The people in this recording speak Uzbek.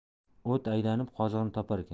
ot aylanib qozig'ini toparkan